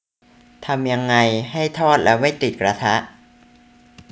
ทำไงให้ทอดแล้วไม่ติดกระทะ